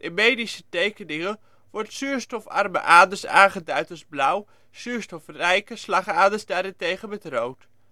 medische tekeningen worden zuurstofarme aders aangeduid met blauw, zuurstofrijke slagaders daarentegen met rood